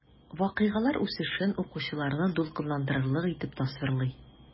Вакыйгалар үсешен укучыларны дулкынландырырлык итеп тасвирлый.